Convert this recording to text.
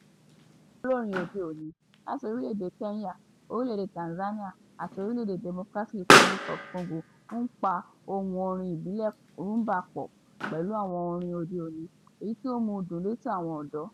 Àwọn olórin òde òní láti orílẹ̀ èdè Kenya, orílẹ̀ èdè Tanzania àti orílẹ̀ èdè Democratic Republic of Congo ń po ohùn orin ibile Rhumba pọ̀ pẹ̀lú àwọn àrà orin òde òní, èyí tí ó ń mú u dùn létí àwọn ọ̀dọ́.